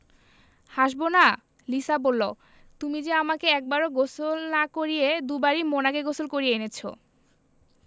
হাসবোনা লিসা বললো তুমি যে আমাকে একবারও গোসল না করিয়ে দুবারই মোনাকে গোসল করিয়ে এনেছো